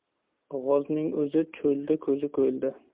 g'ozning o'zi cho'lda ko'zi ko'lda